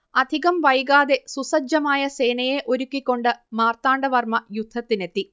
അധികം വൈകാതെ സുസജ്ജമായ സേനയെ ഒരുക്കിക്കൊണ്ട് മാർത്താണ്ടവർമ്മ യുദ്ധത്തിനെത്തി